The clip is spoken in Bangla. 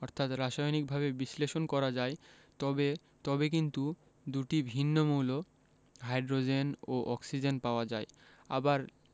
অর্থাৎ রাসায়নিকভাবে বিশ্লেষণ করা যায় তবে তবে কিন্তু দুটি ভিন্ন মৌল হাইড্রোজেন ও অক্সিজেন পাওয়া যায় আবার